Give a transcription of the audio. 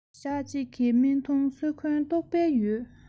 ཞག གཅིག གི རྨི ཐུང སེ གོལ གཏོག པའི ཡུན